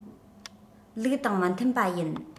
ལུགས དང མི མཐུན པ ཡིན